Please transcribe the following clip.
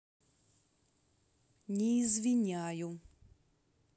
не извиняю